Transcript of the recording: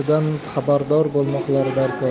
sanatidan xabardor bo'lmoqlari darkor